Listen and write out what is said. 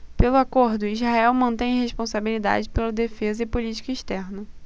pelo acordo israel mantém responsabilidade pela defesa e política externa